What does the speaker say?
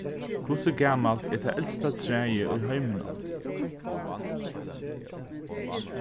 hvussu gamalt er tað elsta træið í heiminum